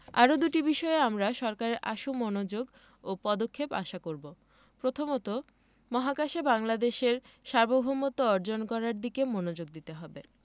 আরও দুটি বিষয়ে আমরা সরকারের আশু মনোযোগ ও পদক্ষেপ আশা করব প্রথমত মহাকাশে বাংলাদেশের সার্বভৌমত্ব অর্জন করার দিকে মনোযোগ দিতে হবে